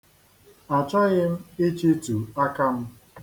Achọghị m ịchịtu aka m.